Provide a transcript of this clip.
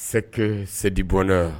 C'est que c'est du bonheur